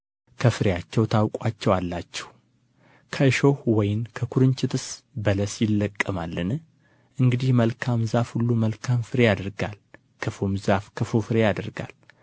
ከፍሬያቸው ታውቋቸዋላችሁ ከእሾህ ወይን ከኩርንችትስ በለስ ይለቀማልን እንዲሁ መልካም ዛፍ ሁሉ መልካም ፍሬ ያደርጋል ክፉም ዛፍ ክፉ ፍሬ ያደርጋል መልካም ዛፍ ክፉ ፍሬ ማፍራት ወይም ክፉ ዛፍ